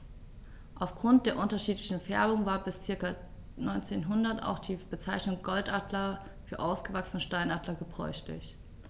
Auf Grund der unterschiedlichen Färbung war bis ca. 1900 auch die Bezeichnung Goldadler für ausgewachsene Steinadler gebräuchlich.